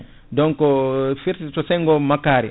donc firti to senggo makkari